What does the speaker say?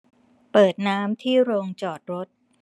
เปิดน้ำที่โรงจอดรถ